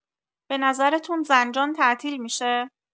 بنظرتون زنجان تعطیل می‌شه؟